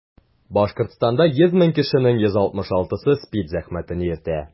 Башкортстанда 100 мең кешенең 166-сы СПИД зәхмәтен йөртә.